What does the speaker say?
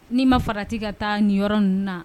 Ni ma farati ka taa nin yɔrɔ ninnu na